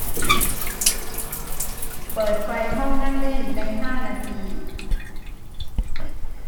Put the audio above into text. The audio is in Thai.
เปิดไฟห้องนั่งเล่นในห้านาที